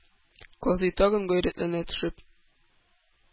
Казый, тагын гайрәтләнә төшеп: